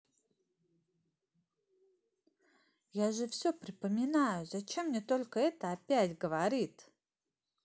я же все припоминаю зачем мне только это опять говорит